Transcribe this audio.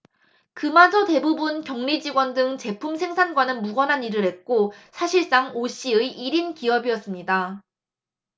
그마저 대부분 경리직원 등 제품 생산과는 무관한 일을 했고 사실상 오 씨의 일 인 기업이었습니다